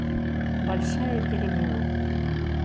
большая перемена